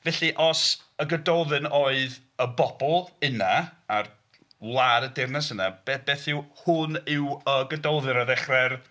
Felly os y Gododdin oedd y bobl yna, a'r wlad y deyrnas yna, be beth yw... "hwn yw y Gododdin" ar ddechrau'r...